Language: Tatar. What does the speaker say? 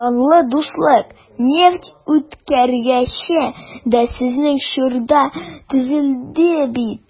Данлы «Дуслык» нефтьүткәргече дә сезнең чорда төзелде бит...